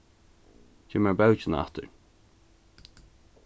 gev mær bókina aftur